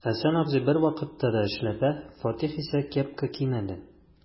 Хәсән абзый бервакытта да эшләпә, Фатих исә кепка кимәде.